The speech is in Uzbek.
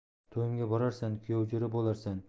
to'yimga borarsan kuyovjo'ra bo'larsan